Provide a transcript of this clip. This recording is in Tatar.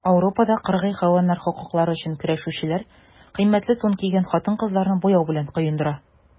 Ауропада кыргый хайваннар хокуклары өчен көрәшүчеләр кыйммәтле тун кигән хатын-кызларны буяу белән коендыра.